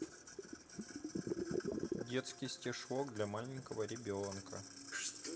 детский стишок для маленького ребенка